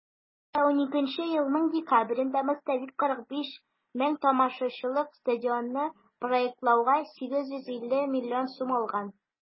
2012 елның декабрендә "мостовик" 45 мең тамашачылык стадионны проектлауга 850 миллион сум алган.